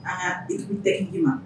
An ka équipe technique ma